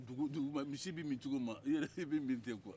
misi bɛ min cogo min i yɛrɛ b'i min ten kuwa